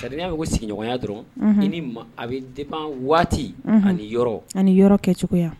Sadenya'a ye ko sigiɲɔgɔnya dɔrɔn ni a bɛ de waati ani yɔrɔ ani yɔrɔ kɛ cogoya